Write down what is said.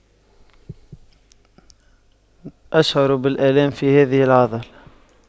أشعر بالآلام في هذه العضلة